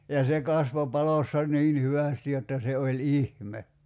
ja se kasvoi palossa niin hyvästi jotta se oli ihme